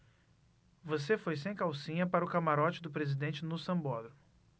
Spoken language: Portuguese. você foi sem calcinha para o camarote do presidente no sambódromo